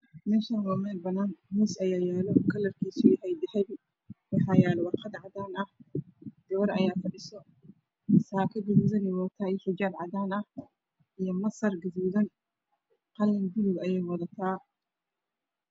Meeshan waa meel banaan ah miis ayaa yaalo kalarkiisu yahay dahabi waxaa yaalo warqad cadaan ah gabar ayaa fa dhiso saako guduudan ayay wadata iyo xijaaab cagaar ah iyo masar guduudan qalin blue ah ayay wadataa